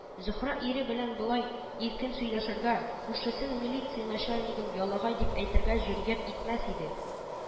Зөһрә ире белән болай иркен сөйләшергә, күршесен, милиция начальнигын ялагай дип әйтергә җөрьәт итмәс иде